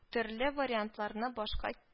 Төрле вариантларны башка